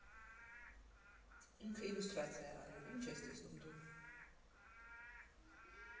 Ինքը իլյուստրացիա է արել՝ ինչ ես տեսնում դու։